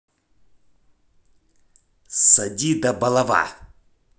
сади до болова